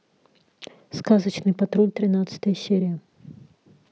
сказочный патруль тринадцатая серия